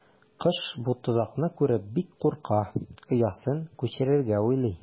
Кош бу тозакны күреп бик курка, оясын күчерергә уйлый.